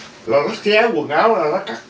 là nó xé quần áo rồi nó cắt